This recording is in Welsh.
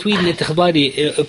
...dwi 'di edrych o blaen i yy yy